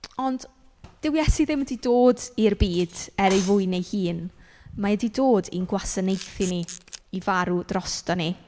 Ond dyw Iesu ddim 'di dod i'r byd er ei fwyn ei hun, mae e 'di dod i'n gwasanaethu ni, i farw drosto ni.